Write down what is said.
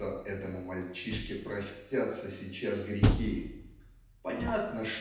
что этому мальчишке простятся сейчас грехи". Понятно